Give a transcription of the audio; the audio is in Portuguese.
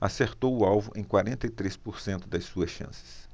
acertou o alvo em quarenta e três por cento das suas chances